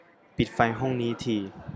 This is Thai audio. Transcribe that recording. ปิดไฟห้องนี้ที